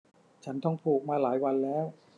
ฉันท้องผูกมาหลายวันแล้ว